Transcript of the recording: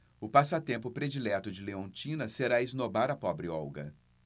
o passatempo predileto de leontina será esnobar a pobre olga